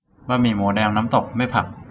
บะหมี่หมููแดงน้ำตกไม่ผัก